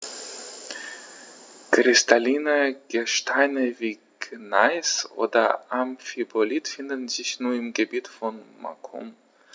Kristalline Gesteine wie Gneis oder Amphibolit finden sich nur im Gebiet von Macun.